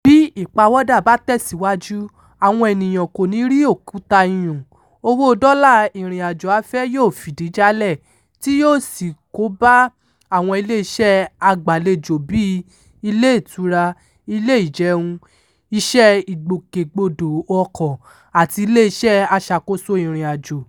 Bí ìpàwọ̀dà bá tẹ̀síwájú, àwọn ènìyàn kò ní rí òkúta iyùn, owó dollar ìrìnàjò afẹ́ yóò fìdí jálẹ̀, tí yóò sì kó bá àwọn iléeṣẹ́ agbàlejò bíi: ilé ìtura, ilé ìjẹun, iṣẹ́ ìgbòkègbodò ọkọ̀ àti ilé iṣẹ́ aṣàkóso ìrìnàjò.